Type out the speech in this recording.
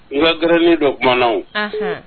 N ka gɛrɛnin dɔ kumana o, anhan